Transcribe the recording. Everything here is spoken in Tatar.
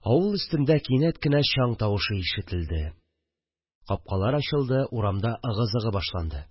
Авыл өстендә кинәт кенә чаң тавышы ишетелде, капкалар ачылды, урамда ыгы-зыгы башланды